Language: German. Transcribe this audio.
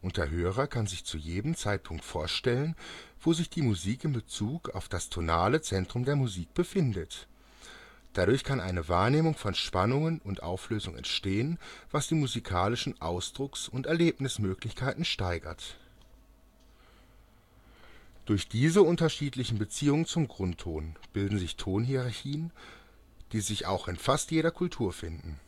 der Hörer kann sich zu jedem Zeitpunkt vorstellen, wo sich die Musik in Bezug auf das tonale Zentrum der Musik befindet. Dadurch kann eine Wahrnehmung von Spannung und Auflösung entstehen, was die musikalischen Ausdrucks - und Erlebnismöglichkeiten steigert (Sloboda, 1985). Durch diese unterschiedlichen Beziehungen zum Grundton bilden sich Tonhierarchien, die sich auch in fast jeder Kultur finden